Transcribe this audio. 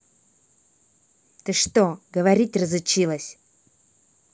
ты что говорить разучилась